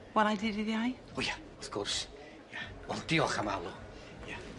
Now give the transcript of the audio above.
Welai di ddydd Iau. O ia wrth gwrs. Ia. On' diolch am alw.